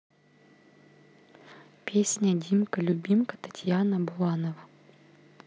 песня димка любимка татьяна буланова